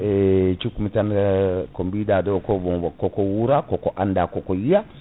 e cikkumi ko biɗa ɗo ko koko wura koko anda koko yiiya